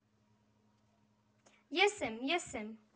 Ես եմ, ես եմ…